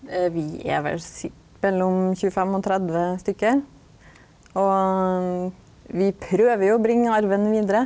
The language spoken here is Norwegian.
vi er vel mellom 25 og 30 stykk og vi prøver jo å bringa arven vidare.